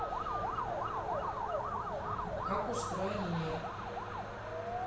как устроен мир